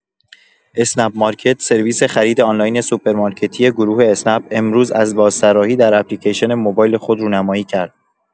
اسنپ‌مارکت، سرویس خرید آنلاین سوپرمارکتی گروه اسنپ، امروز از بازطراحی در اپلیکیشن موبایل خود رونمایی کرد.